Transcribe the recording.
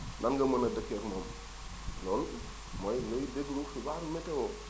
nan nga mën a dëkkeeg moom loolu mooy ngay déglu xibaaru météo